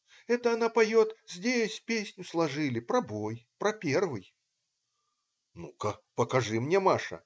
"Это она поет, здесь песню сложили, про бой, про первый". - "Ну-ка, покажи мне. Маша".